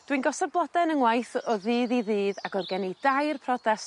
Dwi'n gosod blode yn 'yn ngwaith o ddydd i ddydd ac o'dd gen i dair prodas